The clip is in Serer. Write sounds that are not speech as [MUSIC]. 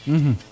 [HESITATION] [HESITATION]